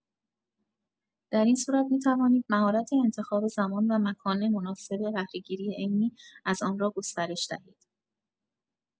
در این صورت می‌توانید مهارت انتخاب زمان و مکان مناسب بهره‌گیری عینی از آن را گسترش دهید.